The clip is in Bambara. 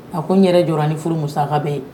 A ko n yɛrɛ jɔ ni furu musaka bɛ ye